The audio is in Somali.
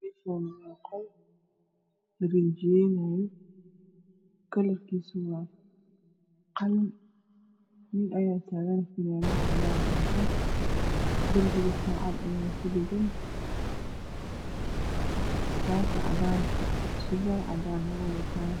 Meeshaan waa qol larinjiyeynayo kalarkiisu waa qalin nin ayaa taagan fanaanad cadaan ah wato. Darbiguna saacad ayaa kudhagan. shaati cadaan ah iyo surwaal cadaan ah ayuu wataa.